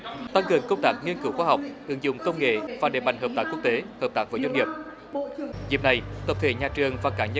tăng cường công tác nghiên cứu khoa học ứng dụng công nghệ và đẩy mạnh hợp tác quốc tế hợp tác với doanh nghiệp dịp này tập thể nhà trường và cá nhân